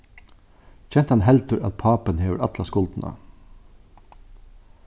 gentan heldur at pápin hevur alla skuldina